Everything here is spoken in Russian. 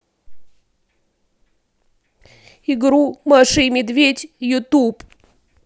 игру маша и медведь ютуб